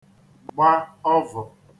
gba ọvụ̀